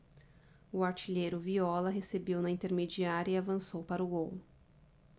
o artilheiro viola recebeu na intermediária e avançou para o gol